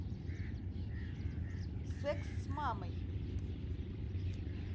секс с мамой